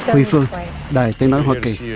huỳnh phương đài tiếng nói hoa kỳ